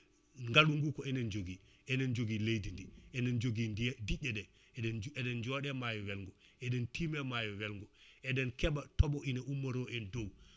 ngaalu gu ko enen jogui enen jogui leydi ndi enen jogui ndiye diƴƴeɗe enen eɗen jooɗe maayo welgo eɗen tiime maayo welgo eɗen keeɓa tooɓo ina ummoro en dow